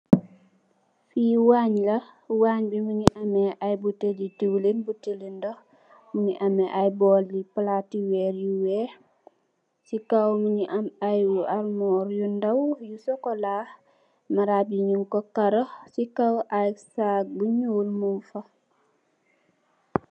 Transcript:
Li wangi la mugi am ay buteki diwlen yu ndaw mugi ame ay palati werr yu wex ci kaw mugi am ay armuwal yu ndaw yu socola maragi bi ñjingko karo cu kaw lu njul mung fa